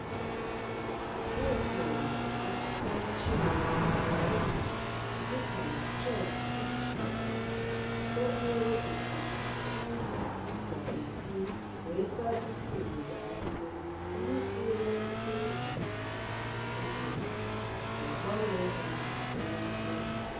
E nwekwara akụkọ ochie gbasara ényí dị ka Chhot Pich kọgharịrị nke kpughere etu chi gasị si wee taa ndị obodo afụfụ ndị tinyere nsí n'osimiri otu mgbe ma gbanwee ha ha bụrụ ényí.